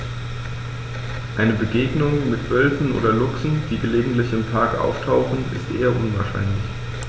Eine Begegnung mit Wölfen oder Luchsen, die gelegentlich im Park auftauchen, ist eher unwahrscheinlich.